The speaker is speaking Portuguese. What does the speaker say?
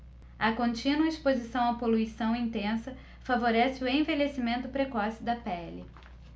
a contínua exposição à poluição intensa favorece o envelhecimento precoce da pele